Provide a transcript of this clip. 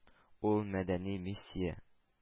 Ул мәдәни миссия.